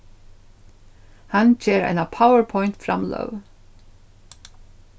hann ger eina powerpoint framløgu